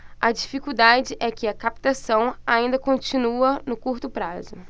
a dificuldade é que a captação ainda continua no curto prazo